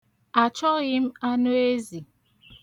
Achọghị m anụezi.